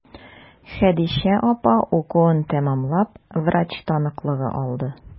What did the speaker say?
Хәдичә апа укуын тәмамлап, врач таныклыгы алды.